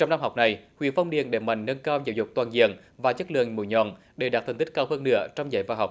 trong năm học này huyện phong điền đẩy mạnh nâng cao giáo dục toàn diện và chất lượng mũi nhọn để đạt thành tích cao hơn nữa trong dạy và học